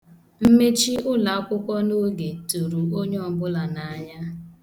Mmechi ụlọakwụkwọ n'oge tụrụ onye ọbụla n' anya.